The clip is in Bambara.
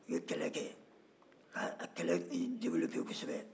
u ye kɛlɛ kɛ ka kɛlɛ developper kosɛbɛ